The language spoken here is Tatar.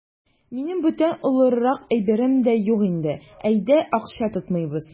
Минем бүтән алырлык әйберем дә юк инде, өйдә акча тотмыйбыз.